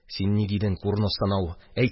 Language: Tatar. – син ни дидең, курнос танау? әйт!